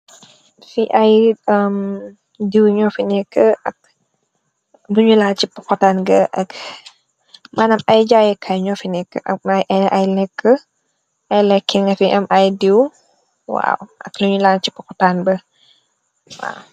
fi ay m diiw ñoo fi nekk ak luñu laal ci poxotaan ga, ak mënam ay jaaye kaay ñoo fi nekk, ak ay lekki nga fi am, ay diw waw. Ak luñu laal ci poxotaan ba waw.